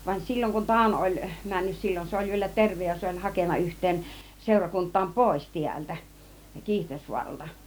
vaan silloin kun Tauno oli mennyt silloin se oli vielä terve ja se oli hakenut yhteen seurakuntaan pois täältä Kiihtelysvaaralta